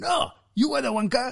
No, you want a one car?